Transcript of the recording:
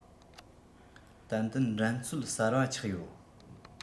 ཏན ཏན འགྲན རྩོད གསར པ ཆགས ཡོད